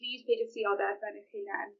plîs peidiwch dioddefben 'ych hunen.